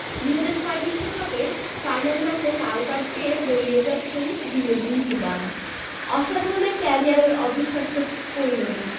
২০০৬ বিশ্বকাপের ফাইনাল ম্যাচে লাল কার্ড পেয়ে বেরিয়ে যাচ্ছেন জিনেদিন জিদান অসাধারণ এক ক্যারিয়ারের অবিশ্বাস্য পরিণতি